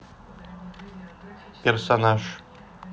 персонаж